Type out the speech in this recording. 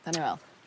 Be' ni fe'wl?